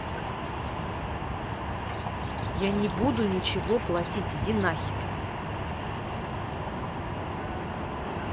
я не буду ничего платить иди нахер